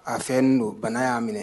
A fɛn nen don . Bana ya minɛ.